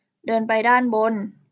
เดินไปด้านบน